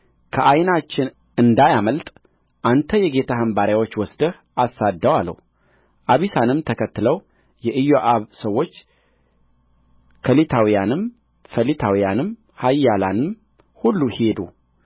ከዓይናችን እንዳያመልጥ አንተ የጌታህን ባሪያዎች ወስደህ አሳድደው አለው አቢሳንም ተከትለው የኢዮአብ ሰዎች ከሊታውያንም ፈሊታውያንም ኃያላንም ሁሉ ሄዱ